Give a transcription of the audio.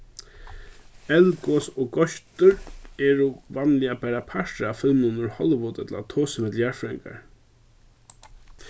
eldgos og goystur eru vanliga bara partur av filmum úr hollywood ella tosi millum jarðfrøðingar